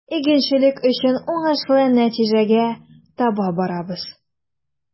Игенчелек өчен уңышлы нәтиҗәгә таба барабыз.